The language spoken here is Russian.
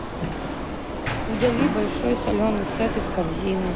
удали большой соленый сет из корзины